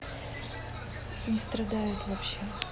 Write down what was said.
не страдает вообще